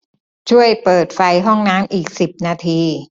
ช่วยเปิดไฟห้องน้ำอีกสิบนาที